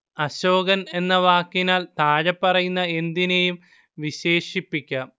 അശോകൻ എന്ന വാക്കിനാൽ താഴെപ്പറയുന്ന എന്തിനേയും വിശേഷിപ്പിക്കാം